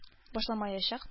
Башламаячак